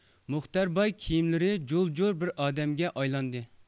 مۇختەر باي كىيىملىرى جۇل جۇل بىر ئادەمگە ئايلاندى